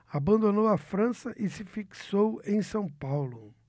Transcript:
abandonou a frança e se fixou em são paulo